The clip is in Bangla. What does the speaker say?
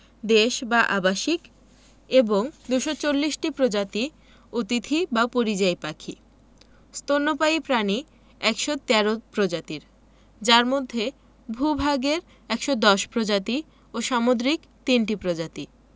দেশ বা আবাসিক এবং ২৪০ টি প্রজাতি অতিথি বা পরিযায়ী পাখি স্তন্যপায়ী প্রাণী ১১৩ প্রজাতির যার মধ্যে ভূ ভাগের ১১০ প্রজাতি ও সামুদ্রিক ৩ টি প্রজাতি